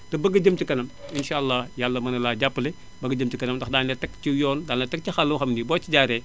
te bëgg a jëm ci kanam insaa àllaa Yàlla mën na laa jàppale ba nga jëm ci kanam ndax daañu la teg ci yoon daañu la teg ci xàll woo xam ni boo ci jaaree